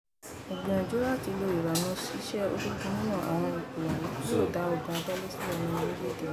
Ìgbìyànjú láti lo ìlànà ìṣe ológun nínú àwọn ipò wọ̀nyìí, yóò dá ogun abẹ́lé sílẹ̀ nínú orílẹ̀-èdè náà.